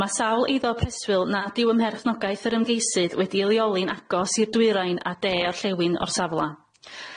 Ma sawl eiddo preswyl nad yw ym merchnogaeth yr ymgeisydd wedi'i leoli'n agos i'r dwyrain a de-orllewin o'r safla.